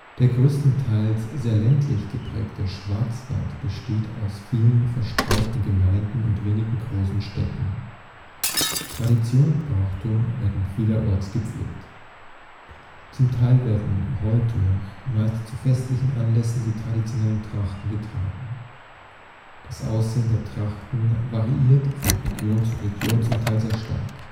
größtenteils sehr ländlich geprägte Schwarzwald besteht aus vielen verstreuten Gemeinden und wenigen großen Städten. Tradition und Brauchtum werden vielerorts gepflegt. Zum Teil werden heute noch, meist zu festlichen Anlässen, die traditionellen Trachten getragen. Das Aussehen der Trachten variiert von Region zu Region zum Teil sehr stark